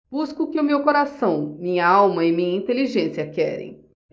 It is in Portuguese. busco o que meu coração minha alma e minha inteligência querem